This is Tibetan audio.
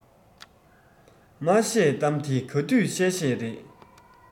མ བཤད གཏམ དེ ག དུས བཤད བཤད རེད